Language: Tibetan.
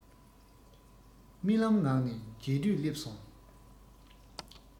རྨི ལམ ངང ནས མཇལ དུས སླེབས སོང